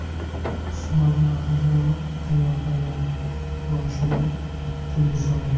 usmon mahzun qiyofada boshini quyi soldi